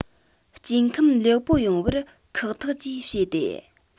སྐྱེ ཁམས ལེགས པོ ཡོང བར ཁག ཐེག བཅས བྱས ཏེ